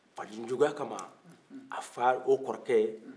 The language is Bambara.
faden juguya kama a fa o kɔrɔkɛ